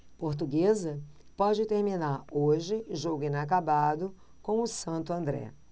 portuguesa pode terminar hoje jogo inacabado com o santo andré